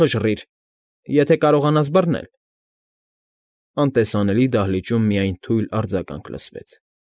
Խժռիր, եթե կարողանաս բռնել… Անտեսանելի դահլիճում միայն թույլ արձագանք լսվեց։